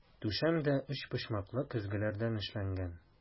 Түшәм дә өчпочмаклы көзгеләрдән эшләнгән.